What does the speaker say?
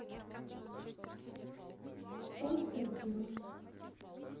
остров героев